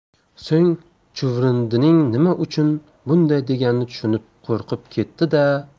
so'ng chuvrindining nima uchun bunday deganini tushunib qo'rqib ketdi da